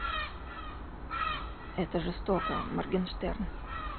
это жестоко моргенштерн